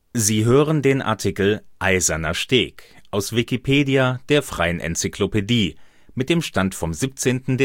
Sie hören den Artikel Eiserner Steg, aus Wikipedia, der freien Enzyklopädie. Mit dem Stand vom Der